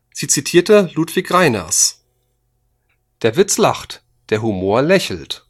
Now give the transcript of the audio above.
Sie zitierte Ludwig Reiners: „ Der Witz lacht, der Humor lächelt